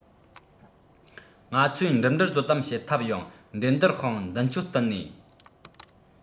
ང ཚོས འགྲིམ འགྲུལ དོ དམ བྱེད ཐབས ཡང འགྲན བསྡུར དཔུང མདུན བསྐྱོད བསྟུན ནས